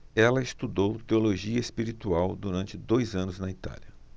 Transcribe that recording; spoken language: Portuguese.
ela estudou teologia espiritual durante dois anos na itália